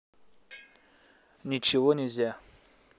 ничего нельзя